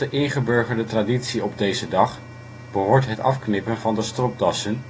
ingeburgerde traditie op deze dag behoort het afknippen van de stropdassen